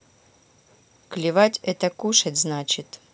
клевать это кушать значит